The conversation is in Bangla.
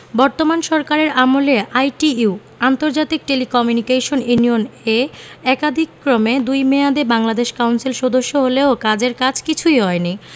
বর্তমান সরকারের আমলে আইটিইউ আন্তর্জাতিক টেলিকমিউনিকেশন ইউনিয়ন এ একাদিক্রমে দুই মেয়াদে বাংলাদেশ কাউন্সিল সদস্য হলেও কাজের কাজ কিছুই হয়নি